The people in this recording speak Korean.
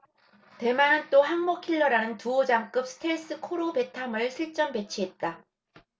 대만은 또 항모킬러라는 두오장급 스텔스 코르벳함을 실전배치했다